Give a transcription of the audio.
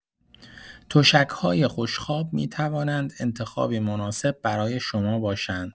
تشک‌های خوشخواب می‌توانند انتخابی مناسب برای شما باشند.